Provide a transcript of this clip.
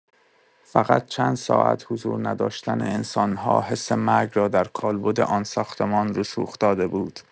فقط چند ساعت حضورنداشتن انسان‌ها حس مرگ را در کالبد آن ساختمان رسوخ داده بود.